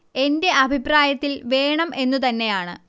എന്റെ അഭിപ്രായത്തിൽ വേണം എന്നു തന്നെയാണ്